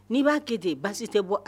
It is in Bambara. N'i b'a kɛ ten baasi basi tɛ bɔ